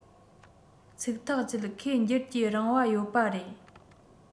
ཚིག ཐག བཅད ཁོས འགྱུར གྱིས རིང བ ཡོད པ རེད